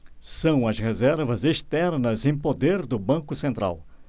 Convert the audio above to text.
são as reservas externas em poder do banco central